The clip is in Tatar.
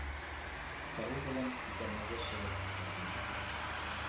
Тору белән күтәрмәгә чыгып утырдым.